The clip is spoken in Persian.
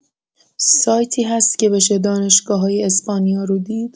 سایتی هست که بشه دانشگاه‌‌های اسپانیا رو دید؟